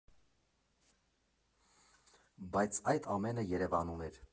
Բայց այդ ամենը Երևանում էր։